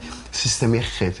... system iechyd.